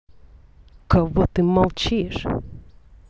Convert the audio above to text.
кого ты молчишь